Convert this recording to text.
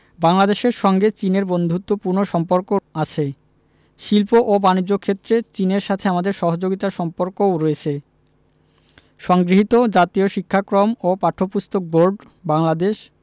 বাংলাদেশের সঙ্গে চীনের বন্ধুত্বপূর্ণ সম্পর্ক আছে শিল্প ও বানিজ্য ক্ষেত্রে চীনের সাথে আমাদের সহযোগিতার সম্পর্কও রয়েছে সংগৃহীত জাতীয় শিক্ষাক্রম ও পাঠ্যপুস্তক বোর্ড বাংলাদেশ